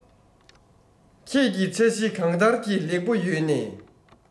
ཁྱེད ཀྱི ཆ ཞི གང ལྟར གྱི ལེགས པོ ཡོད ནས